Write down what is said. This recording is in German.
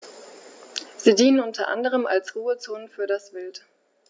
Sie dienen unter anderem als Ruhezonen für das Wild.